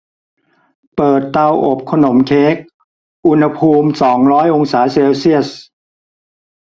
เปิดเตาอบขนมเค้กอุณหภูมิสองร้อยองศาเซลเซียส